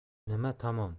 nima tamom